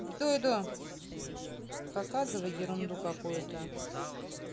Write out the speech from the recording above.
показывай ерунду какую то